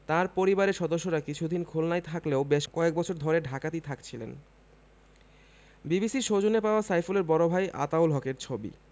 তাঁর পরিবারের সদস্যরা কিছুদিন খুলনায় থাকলেও বেশ কয়েক বছর ধরে ঢাকাতেই থাকছিলেন বিবিসির সৌজন্যে পাওয়া সাইফুলের বড় ভাই আতাউল হকের ছবি